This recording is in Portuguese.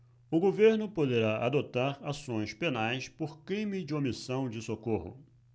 o governo poderá adotar ações penais por crime de omissão de socorro